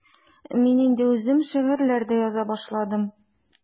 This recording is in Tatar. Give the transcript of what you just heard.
Мин инде үзем шигырьләр дә яза башладым.